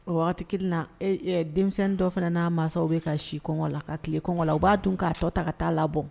Kelen na denmisɛnnin dɔ fana' mansaw bɛ ka si kɔngɔ la ka tile kɔngɔ la u b'a dun k'a tɔ ta ka taa labɔ